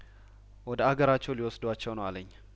ወደ አገራቸው ሊወስዷቸው ነው አለኝ